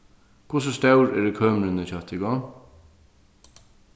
hvussu stór eru kømrini hjá tykkum